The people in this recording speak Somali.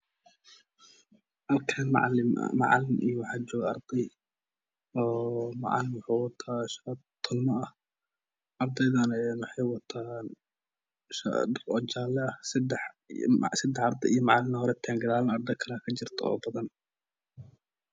Halkan Maclin iyo arday Aya jogaan waxuu wataa shati tolma ah ardeydadana waxey wataan dhar jaala ah sadax arda iyo maclin horey taagan gadaalna arda kala kajirta oo badan